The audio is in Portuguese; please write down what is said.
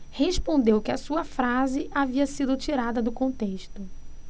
respondeu que a sua frase havia sido tirada do contexto